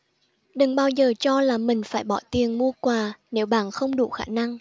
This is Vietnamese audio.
đừng bao giờ cho là mình phải bỏ tiền mua quà nếu bạn không đủ khả năng